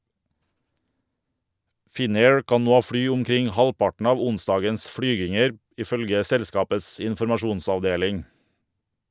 Finnair kan nå fly omkring halvparten av onsdagens flyginger, ifølge selskapets informasjonsavdeling.